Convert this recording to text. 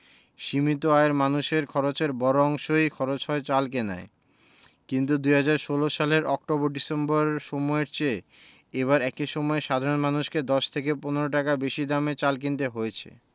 সীমিত আয়ের মানুষের খরচের বড় অংশই খরচ হয় চাল কেনায় কিন্তু ২০১৬ সালের অক্টোবর ডিসেম্বর সময়ের চেয়ে এবার একই সময়ে সাধারণ মানুষকে ১০ থেকে ১৫ টাকা বেশি দামে চাল কিনতে হয়েছে